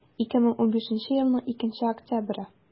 2015 елның 2 октябре